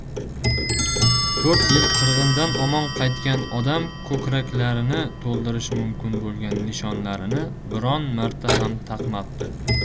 to'rt yil qirg'indan omon qaytgan odam ko'kraklarini to'ldirishi mumkin bo'lgan nishonlarini biron marta ham taqmabdi